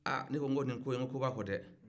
aa ne ko nin ko in ko b'a kɔ de